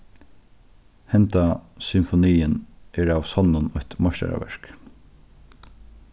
henda symfoniin er av sonnum eitt meistaraverk